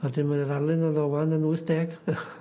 a 'dyn mae o ddarlun o fdo 'wan yn wyth deg.